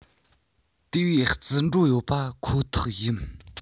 དེ བས རྩིས འགྲོ ཡོད པ ཁོ ཐག ཡིན